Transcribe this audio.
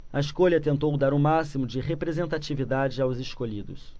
a escolha tentou dar o máximo de representatividade aos escolhidos